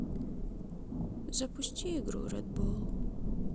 запусти игру ред бол